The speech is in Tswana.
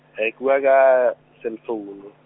ke bua ka, cell founu.